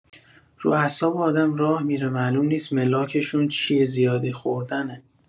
رو اعصاب آدم راه می‌ره معلوم نیس ملاکشون چیه زیادی خوردنه.